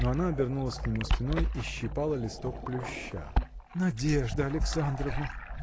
но она обернулась к нему спиной и щипала листок плюща. – Надежда Александровна!